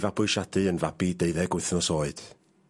...fabwysiad yn fabi deuddeg wythnos oed.